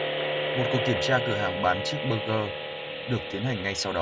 một cuộc kiểm tra cửa hàng bán chiếc burger được tiến hành ngay sau đó